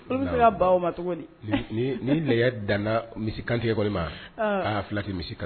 E bɛ se ka ban o ma cogo di? . Ni ni lahiya dan na misi kantigɛkɛ ma. An! Aa! fila tɛ misi kan